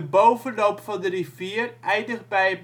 bovenloop van de rivier eindigt bij